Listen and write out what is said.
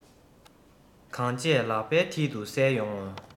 གང བྱས ལག པའི མཐིལ དུ གསལ ཡོང ངོ